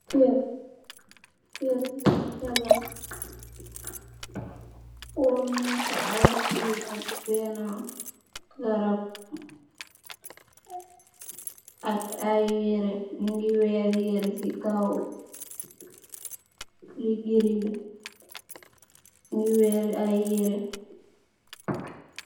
Kër, kër buñg tabax. Pool muñg fa ak beenë garab, ak ay yire. Ñu ngi weer ay yire si kow girii bi.